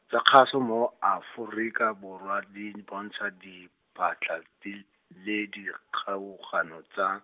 tsa kgaso mo Aforika Borwa di bontsha diphatla di, le dikgaogano tsa.